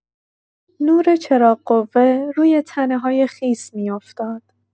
نور چراغ‌قوه روی تنه‌های خیس می‌افتاد.